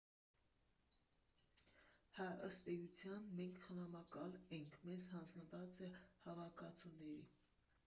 Հա, ըստ էության, մենք խնամակալն ենք մեզ հանձնված հավաքածուների։